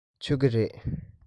མཆོད ཀྱི རེད